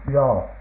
joo